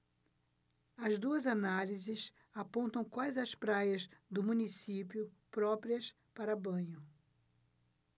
as duas análises apontam quais as praias do município próprias para banho